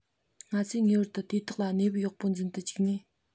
ང ཚོས ངེས བར དུ དེ དག ལ གནས བབ ཡག པོ འཛིན དུ བཅུག ནས